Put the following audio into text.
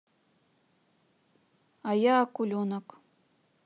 а я акуленок